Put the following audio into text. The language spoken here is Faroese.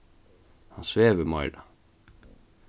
hann svevur meira